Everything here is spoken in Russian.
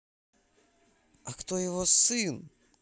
а кто его сын